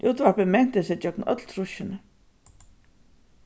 útvarpið menti seg gjøgnum øll trýssini